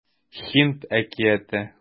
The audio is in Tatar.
Һинд әкияте